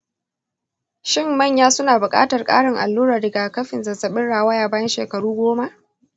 shin manya suna buƙatar ƙarin allurar rigakafin zazzabin rawaya bayan shekaru goma?